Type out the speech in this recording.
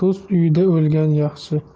do'st uyida o'lgan yaxshi